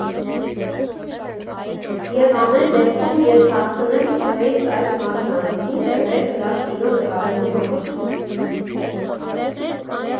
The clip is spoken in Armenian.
ԵՒ ամեն դեպքում, ես հարցնեմ կինոյից այս մարդկանց՝ ի՞նչ է պետք լավ կինո նկարելու համար։